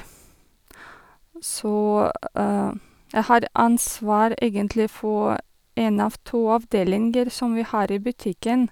Så jeg har ansvar, egentlig, for én av to avdelinger som vi har i butikken.